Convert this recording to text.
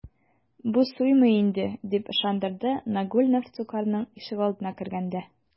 Бу суймый инде, - дип ышандырды Нагульнов Щукарьның ишегалдына кергәндә.